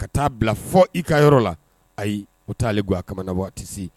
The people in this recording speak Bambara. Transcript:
Ka taa bila fɔ i ka yɔrɔ la ayi u taaale a kabɔ tɛ se